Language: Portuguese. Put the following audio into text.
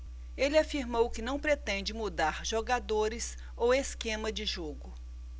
ele afirmou que não pretende mudar jogadores ou esquema de jogo